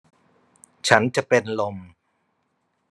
ฉันจะเป็นลม